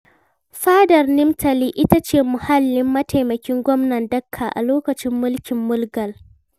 Fadar Nimtali, ita ce muhallin mataimakin gwamnan Dhaka a lokacin mulkin Mughal.